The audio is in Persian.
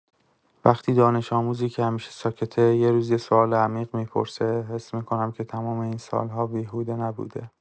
وقتی دانش‌آموزی که همیشه ساکته، یه روز یه سوال عمیق می‌پرسه، حس می‌کنم که تمام این سال‌ها بیهوده نبوده.